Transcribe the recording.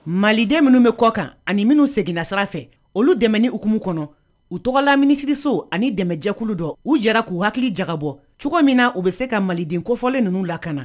Maliden minnu bɛ kɔ kan ani minnu seginnanasira fɛ olu dɛmɛ ukumu kɔnɔ u tɔgɔ la minisiriso ani dɛmɛjɛkulu dɔ u jɛra k'u hakili jaga bɔ cogo min na u bɛ se ka maliden kofɔlen ninnu lakana